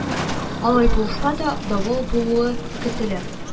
Алай булса да, давыл булуы көтелә